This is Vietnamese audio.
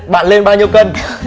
bạn nên bao nhiêu cân